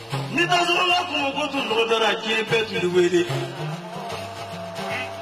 Ni da kun ko tun tɔgɔ da kinfɛn tun koyi